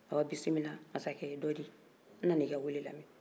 ɔ bisimila masakɛ dɔ di n nana i ka wele lamɛn